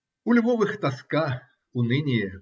-------------- У Львовых тоска, уныние.